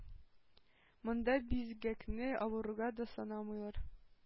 Монда бизгәкне авыруга да санамыйлар.